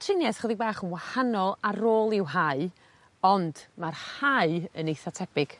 trinieth chydig bach yn wahanol ar ôl i'w hau ond ma'r hau yn eitha tebyg.